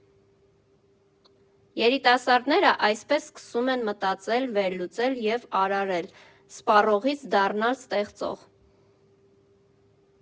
Երիտասարդները այսպես սկսում են մտածել, վերլուծել և արարել՝ սպառողից դառնալ ստեղծող։